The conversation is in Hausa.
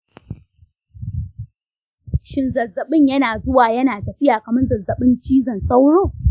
shin zazzabin yana zuwa yana tafiya kamar zazzabin cizon sauro?